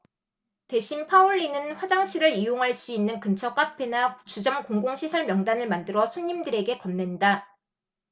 대신 파울리는 화장실을 이용할 수 있는 근처 카페나 주점 공공시설 명단을 만들어 손님들에게 건넨다